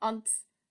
Ond